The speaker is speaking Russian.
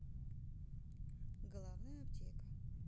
головная аптека